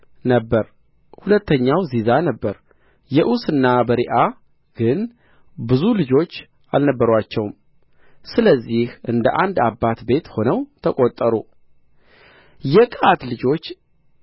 ነበረ ሁለተኛው ዚዛ ነበረ የዑስና በሪዓ ግን ብዙ ልጆች አልነበሩአቸውም ስለዚህ እንደ አንድ አባት ቤት ሆነው ተቈጠሩ የቀአት ልጆች